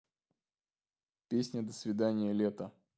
песня до свидания лето